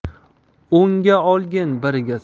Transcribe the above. o'nga olgin birga